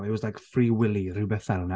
It was like Free Willy... rywbeth fel 'na...